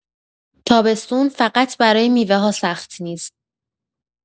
تابستون فقط برای میوه‌ها سخت نیست.